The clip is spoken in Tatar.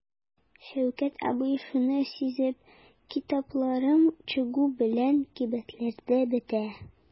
Шәүкәт абый шуны сизеп: "Китапларым чыгу белән кибетләрдә бетә".